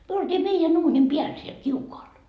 me oltiin meidän uunin päällä siellä kiukaalla